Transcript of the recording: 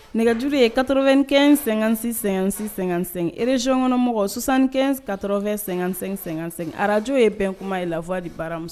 Nɛgɛjuru ye 95 56 56 55, région kɔnɔmɔgɔw 75 80 55 55, Radio ye Benkuma ye la voix du baramus